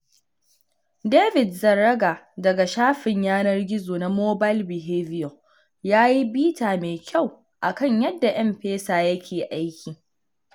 David Zarraga daga shafin yanar gizo na 'Mobile Behavior' ya yi bita mai kyau a kan yadda M-Pesa yake aiki.